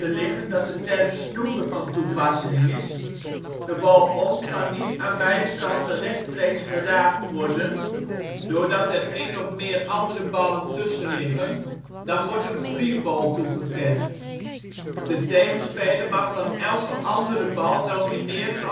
liggen dat de term snooker van toepassing is (de ball-on kan niet aan beide kanten rechtstreeks geraakt worden doordat er een of meer andere ballen tussen liggen), dan wordt een free ball toegekend. De tegenspeler mag dan elke andere bal ' nomineren